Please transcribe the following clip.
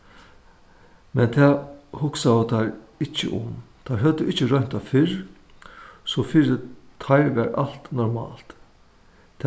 men tað hugsaðu teir ikki um teir høvdu ikki roynt tað fyrr so fyri teir var alt normalt